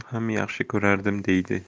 ham yaxshi ko'rardim deydi